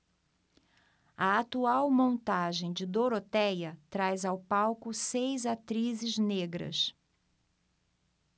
a atual montagem de dorotéia traz ao palco seis atrizes negras